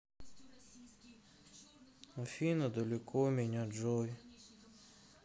афина далеко меня джой